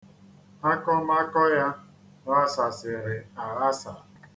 Akọmakọ ya ghasasịrị aghasa.